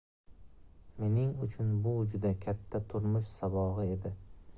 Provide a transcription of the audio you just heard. mening uchun bu juda katta turmush sabog'i edi